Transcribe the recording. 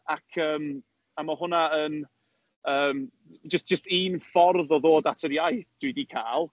Ac yym, a ma' hwnna yn, yym, jyst jyst un ffordd o ddod at yr iaith dwi 'di cael.